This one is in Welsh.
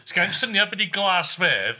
Sgenna i'm syniad be 'di glasfedd.